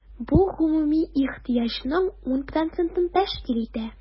Бу гомуми ихтыяҗның 10 процентын тәшкил итә.